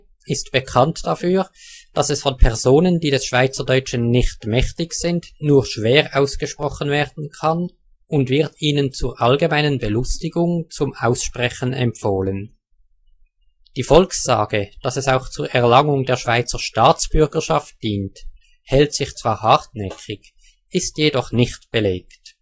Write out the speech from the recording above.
ist bekannt dafür, dass es von Personen, die des Schweizerdeutschen nicht mächtig sind, nur schwer ausgesprochen werden kann und wird ihnen zur allgemeinen Belustigung zum Aussprechen empfohlen. Die Volkssage, dass es auch zur Erlangung der Schweizer Staatsbürgerschaft dient, hält sich zwar hartnäckig, ist jedoch nicht belegt